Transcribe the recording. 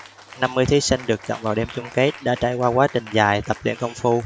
năm mươi thí sinh được chọn vào đêm chung kết đã trải qua quá trình dài tập luyện công phu